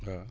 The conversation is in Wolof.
waaw